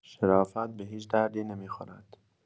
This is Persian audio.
شرافت به هیچ دردی نمی‌خورد.